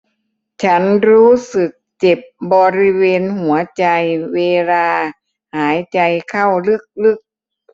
ฉันรู้สึกเจ็บบริเวณหัวใจเวลาหายใจเข้าลึกลึก